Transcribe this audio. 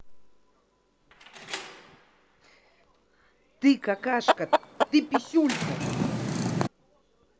ты какашка ты писюлька